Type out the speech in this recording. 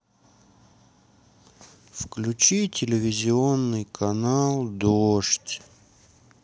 включи телевизионный канал дождь